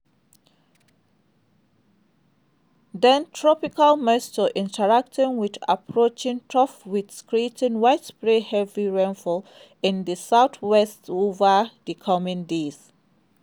Then, tropical moisture interacting with the approaching trough will create widespread heavy rainfall in the Southwest over the coming days.